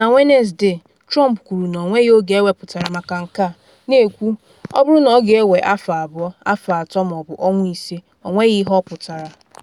Na Wenesde, Trump kwuru na ọ nweghị oge ewepụtara maka nke a, na-ekwu “ọ bụrụ na ọ ga-ewe afọ abụọ, afọ atọ ma ọ bụ ọnwa ise- ọ nweghị ihe ọ pụtara.”